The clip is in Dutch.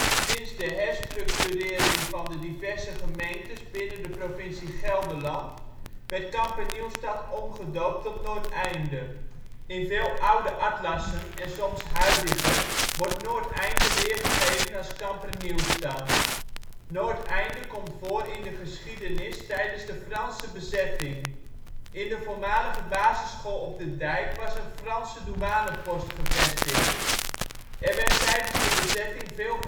Sinds de herstructurering van de diverse gemeentes binnen de provincie Gelderland werd Kampernieuwstad omgedoopt tot Noordeinde. In veel oude atlassen en soms huidige wordt Noordeinde weergegeven als Kampernieuwstad. Noordeinde komt voor in de geschiedenis tijdens de Franse bezetting. In de voormalige basisschool op de dijk was een Franse douanepost gevestigd. Er werd tijdens de bezetting veel